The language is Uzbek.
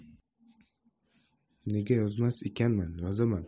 nega yozmas ekanman yozaman